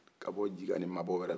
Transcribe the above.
ka bɔ jijanni mabɔ wɛrɛ la